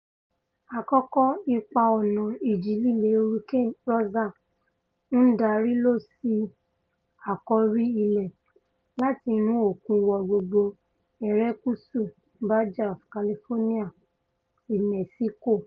Àkọ́kọ́, ipa ọ̀nà Ìjì-líle Hurricane Rosa ńdarí lọsí àkọ́rí ilẹ láti inú òkun wọ gbogbo erékùsù Baja California ti Mẹ́síkò.